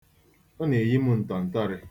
Ọ na-eyi m ntọntọrị.